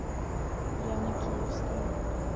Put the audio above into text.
яна киевская